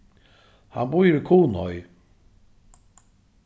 hann býr í kunoy